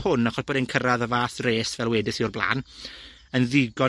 hwn, achos bod e'n cyrradd y fath 'res, fel wedes i o'r blaen, yn ddigon